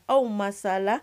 Aw ma sala